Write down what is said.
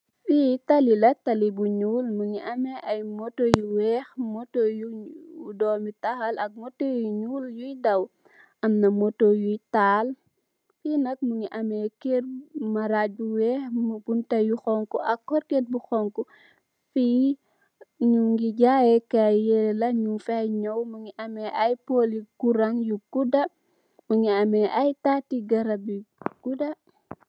Li taali la taali bu ñuul mongi ame moto yu weex moto yu domitaal moto yui daw amna moto yoi taal fi nak mogi ame keur marag bu weex bunta yu xonxu ak korket bu xonxu fi ngugi jage jaye kai ay yere la nyun fa nyaw mongi ame ay poli kuran yu guda mogi ame ay tati grarab yu guda.